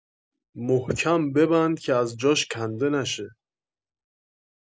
محکم ببند که از جاش کنده نشه